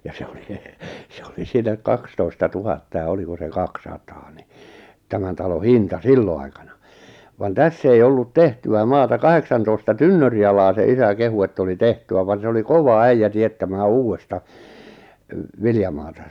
ja se oli se oli siinä kaksitoista tuhatta ja oliko se kaksisataa niin tämän talo hinta silloin aikana vaan tässä ei ollut tehtyä maata kahdeksantoista tynnyrialaa se isä kehui että oli tehtyä vaan se oli kova äijä teettämään uudesta viljamaata